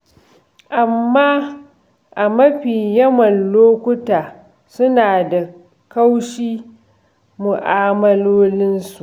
Amma a mafi yawan lokuta suna da kaushi a mu'amalolinsu.